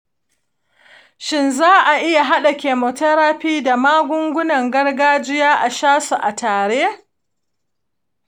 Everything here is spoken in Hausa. shin za'a iya hada chemotherapy da magungunan gargajiya a shasu tare?